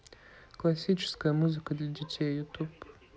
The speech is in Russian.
классическая музыка для детей ютуб